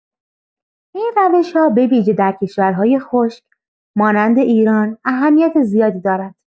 این روش‌ها به‌ویژه در کشورهای خشک مانند ایران اهمیت زیادی دارند.